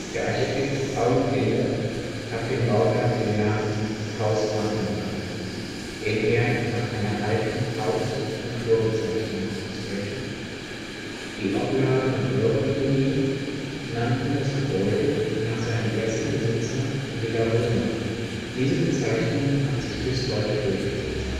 Der Architekt Paul Linder gab dem Bauwerk den Namen „ Haus Frankenberg “, den er nach einer alten Haus - und Flurbezeichnung auswählte. Die Opladener Bürger hingegen nannten das Gebäude nach seinem ersten Besitzer „ Villa Römer “; diese Bezeichnung hat sich bis heute durchgesetzt